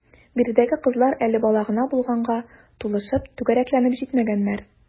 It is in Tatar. Биредәге кызлар әле бала гына булганга, тулышып, түгәрәкләнеп җитмәгәннәр.